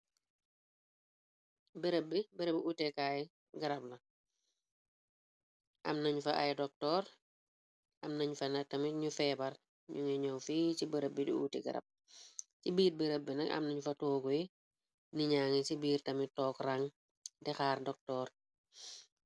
Bërëbbi utekaay garab la am nañu fa ay doktoor am nañ fa na tamit ñu feebar ñu ngay ñoow fi ci bërëb bi uuti garab ci biir bërëbbi na am nañu fa toogo y ni ñaangi ci biir tamit took rang di xaar doktoor.